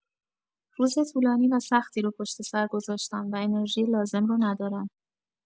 روز طولانی و سختی رو پشت‌سر گذاشتم و انرژی لازم رو ندارم.